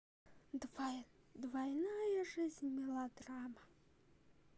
двойная жизнь мелодрама